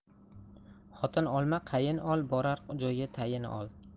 xotin olma qayin ol borar joyga tayin ol